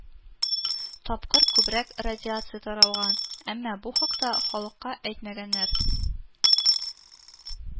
Тапкыр күбрәк радиация таралган, әмма бу хакта халыкка әйтмәгәннәр